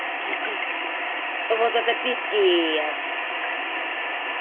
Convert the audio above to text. вот это пиздец